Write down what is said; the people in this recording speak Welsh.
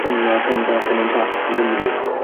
cyngor Rhondda Cynnon Taff yng Nghymru.